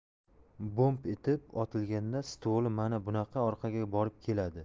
bo'mp etib otilganda stvoli mana bunaqa orqaga borib keladi